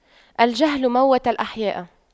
الجهل موت الأحياء